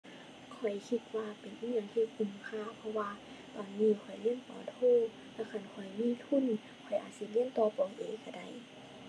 ข้อยคิดว่าเป็นอิหยังที่คุ้มค่า เพราะว่าตอนนี้ข้อยเรียน ป. โท แต่คันข้อยมีทุน ข้อยอาจสิเรียนต่อ ป. เอก ก็ได้